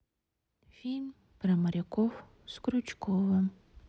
фильм про моряков с крючковым